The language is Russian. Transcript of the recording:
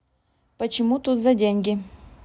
почему тут за деньги